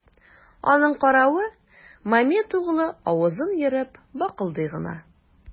Аның каравы, Мамед углы авызын ерып быкылдый гына.